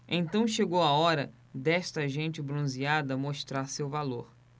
então chegou a hora desta gente bronzeada mostrar seu valor